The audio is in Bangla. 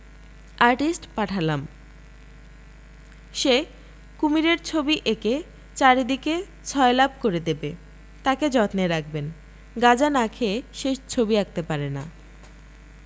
আর্টিস্ট পাঠালাম সে কুমীরের ছবি একে চারদিকে ছয়লাপ করে দেবে তাকে যত্নে রাখবেন গাজা না খেয়ে সে ছবি আঁকতে পারে না